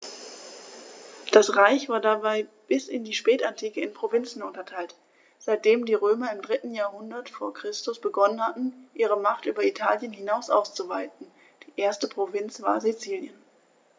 Das Reich war dabei bis in die Spätantike in Provinzen unterteilt, seitdem die Römer im 3. Jahrhundert vor Christus begonnen hatten, ihre Macht über Italien hinaus auszuweiten (die erste Provinz war Sizilien).